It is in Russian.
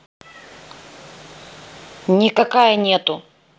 никакая нету